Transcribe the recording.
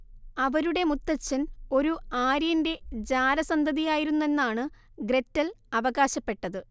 അവരുടെ മുത്തച്ഛൻ ഒരു ആര്യന്റെ ജാരസന്തതിയായിരുന്നെന്നാണ് ഗ്രെറ്റൽ അവകാശപ്പെട്ടത്